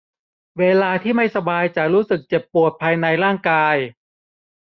เวลาที่ไม่สบายจะรู้สึกเจ็บปวดภายในร่างกาย